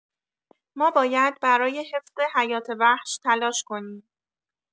ما باید برای حفظ حیات‌وحش تلاش کنیم.